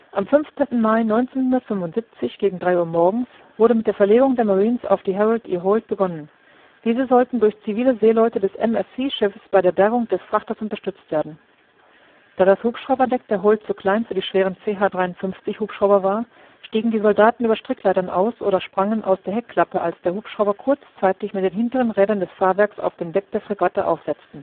Am 15. Mai 1975 gegen drei Uhr morgens wurde mit der Verlegung der Marines auf die Harold E. Holt begonnen, diese sollten durch zivile Seeleute eines MSC-Schiffes bei der Bergung des Frachters unterstützt werden. Da das Hubschrauberdeck der Holt zu klein für die schweren CH-53-Hubschrauber war, stiegen die Soldaten über Strickleitern aus oder sprangen aus der Heckklappe, als die Hubschrauber kurzzeitig mit den hinteren Rädern des Fahrwerks auf dem Deck der Fregatte aufsetzten